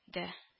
Дә